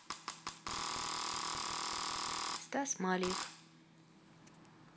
стас малиев